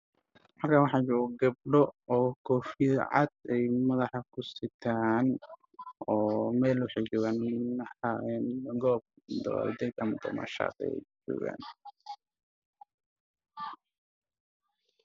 Halkaan waxaa joogo gabdho hijaabo wataan waxayna xiran yihiin koofiyado cadaan ah gabado ugu horayso waxay xiran tahay hijaab buluug xigeen iyo koofiyad cadaan ah